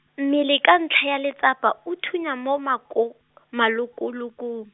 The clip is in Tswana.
mmele ka ntlha ya letsapa o thunya mo mako-, malokololong.